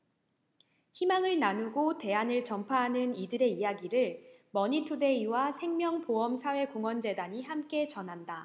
희망을 나누고 대안을 전파하는 이들의 이야기를 머니투데이와 생명보험사회공헌재단이 함께 전한다